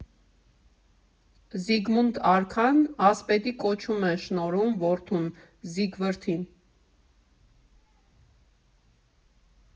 Զիգմունդ արքան ասպետի կոչում է շնորհում որդուն՝ Զիգֆրդին։